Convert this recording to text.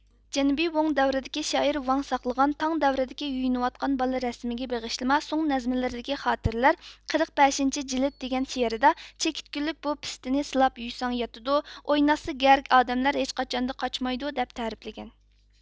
جەنۇبىي ۋوڭ دەۋرىدىكى شائىر ۋاڭ ساقلىغان تاڭ دەۋرىدىكى يۇيۇنۇۋاتقان بالا رەسىمىگە بېغىشلىما سوڭ نەزمىلىرىدىكى خاتىرىلەر قىرىق بەشىنچى جىلىد دېگەن شېئىرىدا چېكىت گۈللۈك بۇ پىستىنى سىلاپ يۇيساڭ ياتىدۇ ئويناتسا گەر ئادەملەر ھېچقاچاندا قاچمايدۇ دەپ تەرىپلىگەن